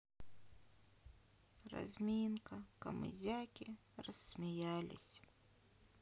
разминка камызяки рассмеялись